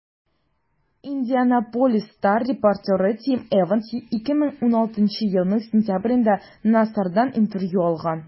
«индианаполис стар» репортеры тим эванс 2016 елның сентябрендә нассардан интервью алган.